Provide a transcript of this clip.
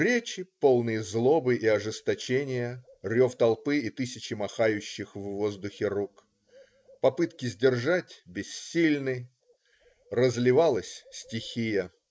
Речи, полные злобы и ожесточения, рев толпы и тысячи махающих в воздухе рук. Попытки сдержать бессильны. Разливалась стихия.